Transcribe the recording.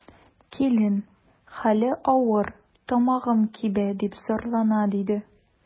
Килен: хәле авыр, тамагым кибә, дип зарлана, диде.